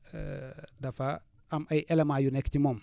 dafa am ay éléments yu nekk ci moom